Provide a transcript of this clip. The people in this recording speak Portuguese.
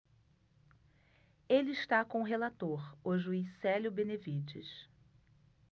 ele está com o relator o juiz célio benevides